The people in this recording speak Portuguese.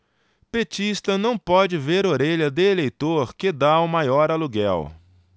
petista não pode ver orelha de eleitor que tá o maior aluguel